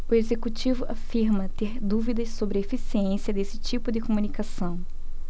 o executivo afirma ter dúvidas sobre a eficiência desse tipo de comunicação